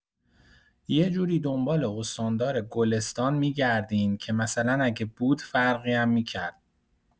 یجوری دنبال استاندار گلستان می‌گردین که مثلا اگه بود فرقی هم می‌کرد.